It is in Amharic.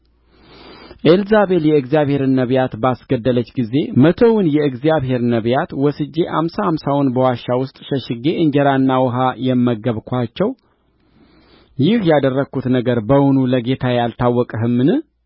ኤልዛቤል የእግዚአብሔርን ነቢያት ባስገደለች ጊዜ መቶውን የእግዚአብሔር ነቢያት ወስጄ አምሳ አምሳውንም በዋሻ ውስጥ ሸሽጌ እንጀራና ውኃ የመገብኋቸው ይህ ያደርግሁት ነገር በውኑ ለጌታዬ አልታወቀህምን